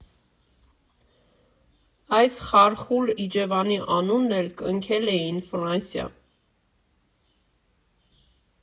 Այս խարխուլ իջևանի անունն էլ կնքել էին «Ֆրանսիա»։